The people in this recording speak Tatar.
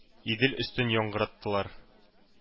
Идел өстен яңгыраттылар.